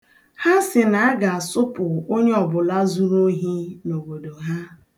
Ha sị na ha ga-asụpụ onye ọbụla zuru ohi n'obodo ha.